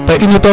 Ta inu took